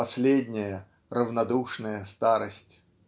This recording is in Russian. последняя, равнодушная старость.